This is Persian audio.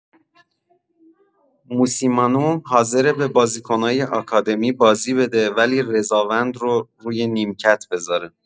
موسیمانو حاضره به بازیکنای آکادمی بازی بده ولی رضاوند رو روی نیمکت بزاره